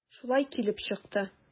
Шулай килеп чыкты.